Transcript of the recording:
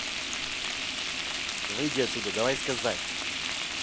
выйди отсюда давай сказать